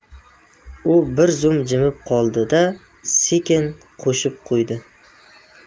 u bir zum jimib qoldi da sekin qo'shib qo'ydi